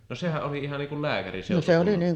no sehän oli ihan niin kuin lääkäri seutukunnalla